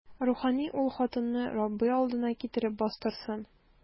Рухани ул хатынны Раббы алдына китереп бастырсын.